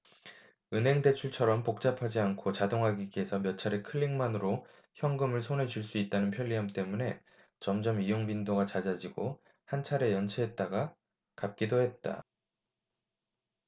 은행 대출처럼 복잡하지 않고 자동화기기에서 몇 차례 클릭만으로 현금을 손에 쥘 수 있다는 편리함 때문에 점점 이용 빈도가 잦아지고 한 차례 연체했다가 갚기도 했다